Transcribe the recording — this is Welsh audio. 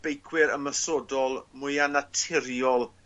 beicwyr ymosodol mwya naturiol